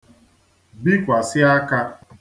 bikwàsị akā